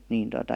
niin tuota